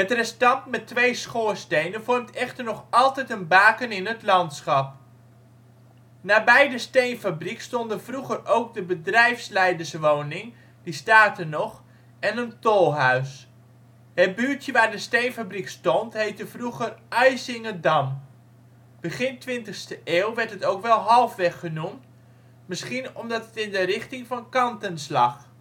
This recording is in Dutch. restant met twee schoorstenen vormt echter nog altijd een baken in het landschap. Nabij de steenfabriek stonden vroeger ook de bedrijfsleiderswoning (staat er nog) en een tolhuis. Het buurtje waar de steenfabriek stond, heette vroeger Aizingedam. Begin 20e eeuw werd het ook wel Halfweg genoemd, misschien omdat het in de richting van Kantens lag